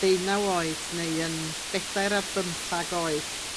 ddeunaw oed neu yn bedair ar bymthag oed